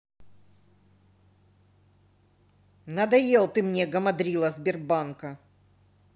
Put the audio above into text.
надоел ты мне гамадрила сбербанка